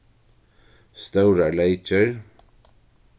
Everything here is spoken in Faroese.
stórar leykir